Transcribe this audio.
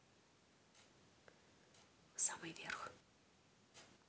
самый верх